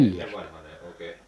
ennen vanhaan ne oikein